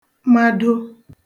mado